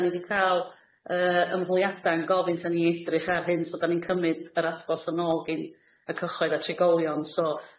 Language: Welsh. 'Dan ni 'di ca'l yy ymholiada' yn gofyn 'thyn ni i edrych ar hyn, so 'dan ni'n cymyd yr adborth yn ôl gin y cyhoedd a trigolion. So